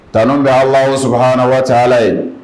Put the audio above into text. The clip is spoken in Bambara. T bɛ awaw s wa ca ye